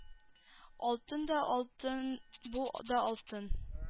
Алтын да алтын бу да алтын